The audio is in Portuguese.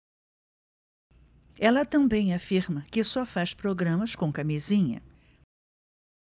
ela também afirma que só faz programas com camisinha